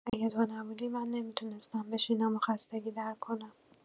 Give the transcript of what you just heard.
اگه تو نبودی، من نمی‌تونستم بشینم و خستگی در کنم.